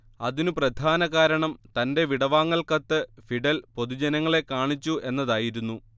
അതിനു പ്രധാനകാരണം തന്റെ വിടവാങ്ങൽ കത്ത് ഫിഡൽ പൊതുജനങ്ങളെ കാണിച്ചു എന്നതായിരുന്നു